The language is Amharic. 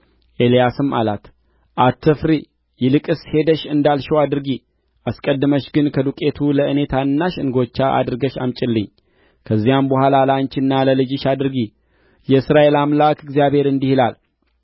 ኤልያስም አላት አትፍሪ ይልቅስ ሄደሽ እንዳልሺው አድርጊ አስቀድመሽ ግን ከዱቄቱ ለእኔ ታናሽ እንጎቻ አድርገሽ አምጭልኝ ከዚያም በኋላ ለአንቺና ለልጅሽ አድርጊ የእስራኤል አምላክ እግዚአብሔር እንዲህ ይላል